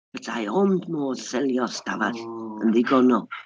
Petai ond modd selio stafell yn ddigonol.